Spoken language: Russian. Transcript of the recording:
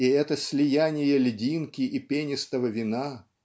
И это слияние льдинки и пенистого вина